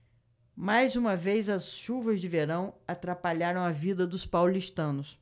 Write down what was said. mais uma vez as chuvas de verão atrapalharam a vida dos paulistanos